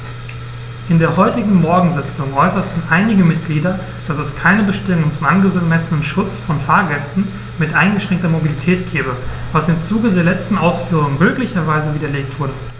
In der heutigen Morgensitzung äußerten einige Mitglieder, dass es keine Bestimmung zum angemessenen Schutz von Fahrgästen mit eingeschränkter Mobilität gebe, was im Zuge der letzten Ausführungen glücklicherweise widerlegt wurde.